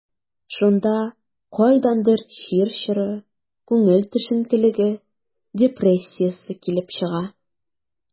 Шунда кайдандыр чир чоры, күңел төшенкелеге, депрессиясе килеп чыга.